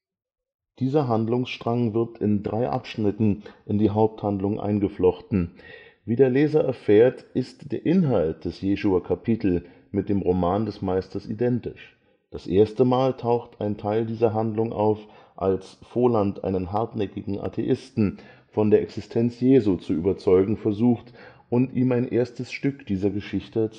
Dieser Handlungsstrang wird in drei Abschnitten in die Haupthandlung eingeflochten; wie der Leser erfährt, ist der Inhalt der Jeschua-Kapitel mit dem Roman des Meisters identisch. Das erste Mal taucht ein Teil dieser Handlung auf, als Voland einen hartnäckigen Atheisten von der Existenz Jesu zu überzeugen versucht und ihm ein erstes Stück dieser Geschichte